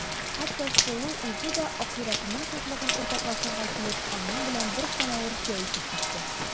Хәтта Сылу үзе дә ахирәтенең шатлыгын уртаклашырга килеп, аның белән бер самавыр чәй эчеп китте.